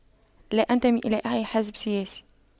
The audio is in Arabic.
لا أنتمي إلى أي حزب سياسي